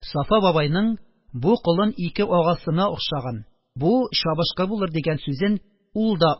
Сафа бабайның: бу колын ике агасына охшаган, бу чабышкы булыр, дигән сүзен ул да